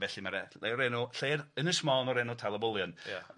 Felly ma'r e- le- o'r enw Lle yn Ynys Môn o'r enw Tal y Bwlion. Ie.